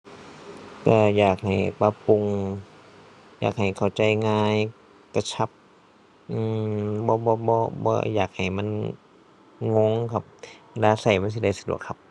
ก็อยากให้ปรับปรุง อยากให้เข้าใจง่าย กระชับ อือ บ่ บ่ บ่ บ่อยากให้มันงงครับ เวลาก็มันสิได้สะดวกครับ